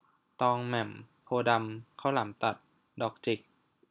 ตองแหม่มโพธิ์ดำข้าวหลามตัดดอกจิก